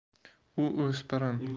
u o'spirin